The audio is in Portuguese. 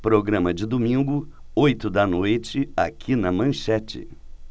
programa de domingo oito da noite aqui na manchete